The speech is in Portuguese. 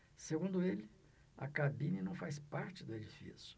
segundo ele a cabine não faz parte do edifício